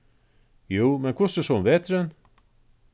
jú men hvussu so um veturin